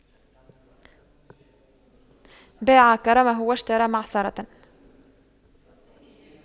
باع كرمه واشترى معصرة